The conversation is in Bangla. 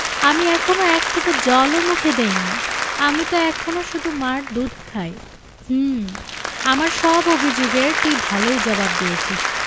আমি এখনো এক ফোঁটা জল ও মুখে দিইনি আমি ত এখনো শুধু মার দুধ খাই হুম আমার সব অভিযোগ এর তুই ভালই জবাব দিয়েছিস